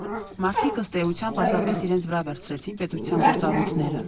Մարդիկ ըստ էության պարզապես իրենց վրա վերցրեցին պետության գործառույթները։